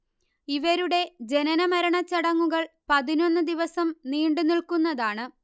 ഇവരുടെ ജനനമരണച്ചടങ്ങുകൾ പതിനൊന്ന് ദിവസം നീണ്ടു നില്ക്കുന്നതാണ്